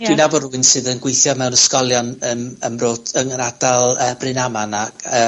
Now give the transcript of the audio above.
Ie. ...dwi'n nabod rywun sydd yn gweithio mewn ysgolion yn, ym Mro- t- yn yr ardal yy Brynaman 'na yy